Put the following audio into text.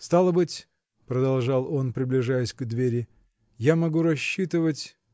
-- Стало быть, -- продолжал он, приближаясь к двери, -- я могу рассчитывать.